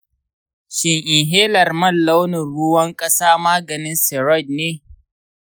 shin inhalar mai launin ruwan kasa maganin steroid ne?